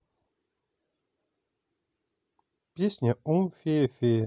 песня ум фая фая